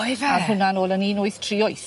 Oedd e? A o'dd hynna nôl yn un wyth tri wyth.